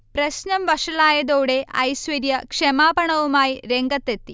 പ്രശ്നം വഷളായതോടെ ഐശ്വര്യ ക്ഷമാപണവുമായി രംഗത്തെത്തി